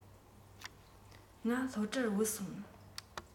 ང སློབ གྲྭར བུད སོང